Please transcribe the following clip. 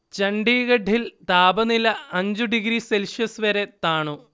ചണ്ഡീഗഢിൽ താപനില അഞ്ച് degree Celsius വരെ താണു